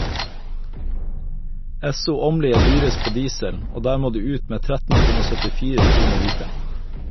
Esso Åmli er dyrest på diesel, og der må du ut med 13,74 kroner literen.